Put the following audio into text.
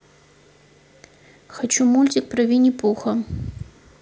хочу мультик про винни пуха